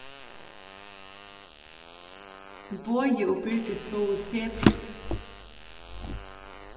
bogi og birgit sóu sebrur